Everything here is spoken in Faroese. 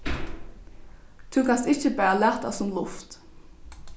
tú kanst ikki bara lata sum luft